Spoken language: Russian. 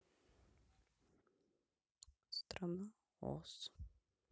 страна оз